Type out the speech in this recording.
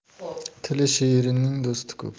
tili shirinning do'sti ko'p